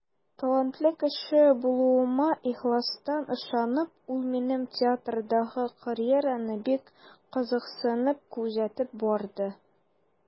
Талантлы кеше булуыма ихластан ышанып, ул минем театрдагы карьераны бик кызыксынып күзәтеп барды.